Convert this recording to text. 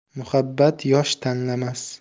muhabbat yosh tanlamas